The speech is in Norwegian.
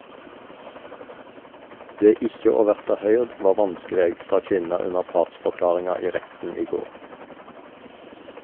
Det ikkje å verta høyrd var vanskeleg, sa kvinna under partsforklaringa i retten i går.